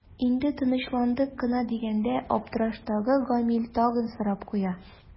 Инде тынычландык кына дигәндә аптыраштагы Гамил тагын сорап куя.